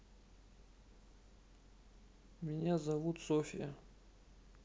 меня зовут софья